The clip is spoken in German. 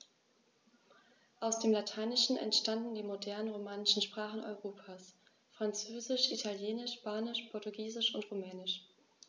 Aus dem Lateinischen entstanden die modernen „romanischen“ Sprachen Europas: Französisch, Italienisch, Spanisch, Portugiesisch und Rumänisch.